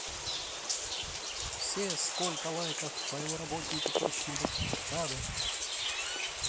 все сколько лайков твоего работники точно будут рады